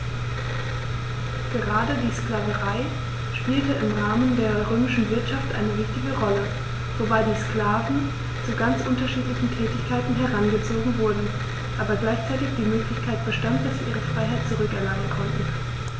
Gerade die Sklaverei spielte im Rahmen der römischen Wirtschaft eine wichtige Rolle, wobei die Sklaven zu ganz unterschiedlichen Tätigkeiten herangezogen wurden, aber gleichzeitig die Möglichkeit bestand, dass sie ihre Freiheit zurück erlangen konnten.